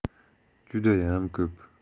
judayam ko'p